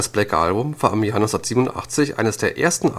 Black Album war im Jahr 1987 eines der ersten